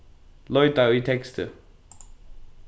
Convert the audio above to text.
leita í teksti